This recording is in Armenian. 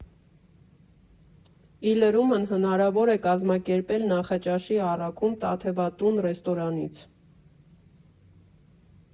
Ի լրումն՝ հնարավոր է կազմակերպել նախաճաշի առաքում «Տաթևատուն» ռեստորանից։